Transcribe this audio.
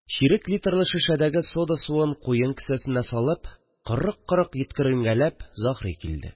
Чирек литрлы шешәдәге сода суын куен кесәсенә салып, корык-корык йөткеренгәләп Заһри килде